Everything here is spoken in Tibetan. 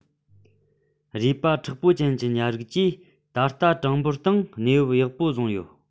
རུས པ མཁྲེགས པོ ཅན གྱི ཉ རིགས ཀྱིས ད ལྟ གྲངས འབོར སྟེང གནས བབ ཡག པོ བཟུང ཡོད